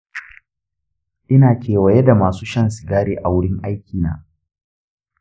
ina kewaye da masu shan sigari a wurin aikina.